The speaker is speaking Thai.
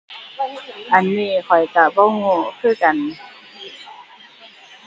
อันนี้ข้อยก็บ่ก็ คือกัน